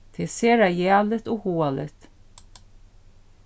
tað er sera jaligt og hugaligt